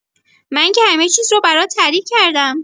من که همه چیز رو برات تعریف کردم.